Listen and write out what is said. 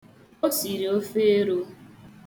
O siri ofe ero.